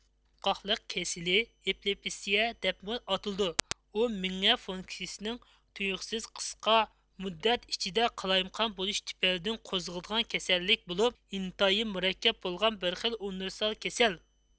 تۇتقاقلىق كېسىلى ئېپلېپسىيە دەپمۇ ئاتىلىدۇ ئۇ مېڭە فۇنكسىيىسىنىڭ تۇيۇقسىز قىسقا مۇددەت ئىچىدە قالايمىقان بولۇشى تۈپەيلىدىن قوزغىلىدىغان كېسەللىك بولۇپ ئىنتايىن مۇرەككەپ بولغان بىرخىل ئۇنىۋېرسال كېسەل